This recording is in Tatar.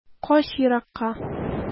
Кач еракка.